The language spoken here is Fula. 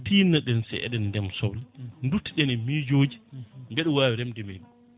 tinno ɗen seeɗa e ndeema soble duttoɗen e miijoji mbiɗa wawi remde mi